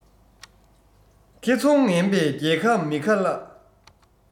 ཁེ ཚོང ངན པས རྒྱལ ཁམས མི ཁ བརླགས